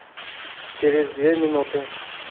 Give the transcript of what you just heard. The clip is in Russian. через две минуты